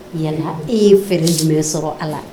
Yan nɔ e ye fɛɛrɛ jumɛ sɔrɔ a la?